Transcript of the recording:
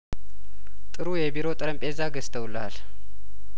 ጥሩ የቢሮ ጠረምጴዛ ገዝተው ልሀል